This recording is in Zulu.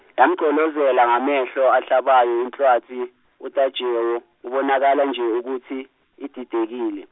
yamgqolozela ngamehlo ahlabayo inhlwathi uTajewo ebonakala nje ukuthi ididekile.